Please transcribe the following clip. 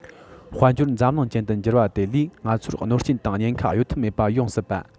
དཔལ འབྱོར འཛམ གླིང ཅན དུ འགྱུར བ དེ ལས ང ཚོར གནོད རྐྱེན དང ཉེན ཁ གཡོལ ཐབས མེད པ ཡོང སྲིད པ